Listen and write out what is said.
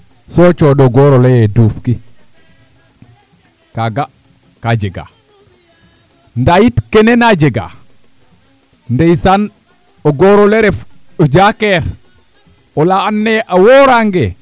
soo cooɗo goor ole ye duufki kaaga ka jega nda yit kene na jega ndeysaan o goor ole ref o jaakeer ola andoona ye a woorange'